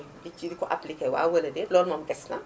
nit yi di ko appliqué waaw walla déet loolu moom des na